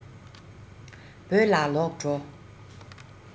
བོད ལ ལོག འགྲོ